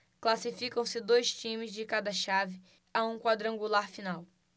classificam-se dois times de cada chave a um quadrangular final